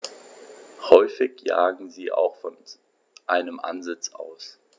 Häufig jagen sie auch von einem Ansitz aus.